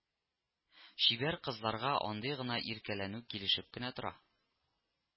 Чибәр кызларга андый гына иркәләнү килешеп кенә тора